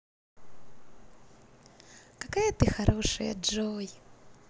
какая ты хорошая джой